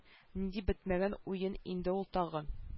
Нинди бетмәгән уен инде ул тагын